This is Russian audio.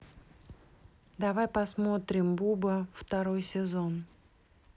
давай посмотрим буба второй сезон